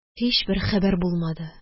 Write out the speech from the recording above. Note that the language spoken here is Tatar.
Һичбер хәбәр булмады